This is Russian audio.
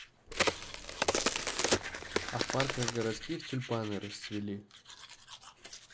а в парках городских тюльпаны расцвели